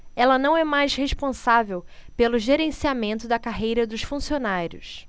ela não é mais responsável pelo gerenciamento da carreira dos funcionários